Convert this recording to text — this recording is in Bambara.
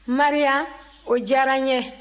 maria o diyara n ye